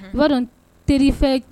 O ba dɔn terife